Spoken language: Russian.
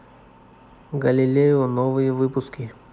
галилео новые выпуски